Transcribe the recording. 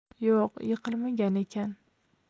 yo'q yiqilmagan ekan